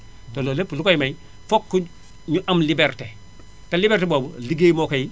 te loolu lépp lu ko may fokk ñu am liberté te liberté boobu ligéey moo koy